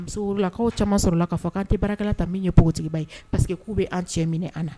Lakaw caman sɔrɔla la k'a k'a tɛ baara ta min ye npogotigiba ye pari que k'u bɛan cɛ minɛ an na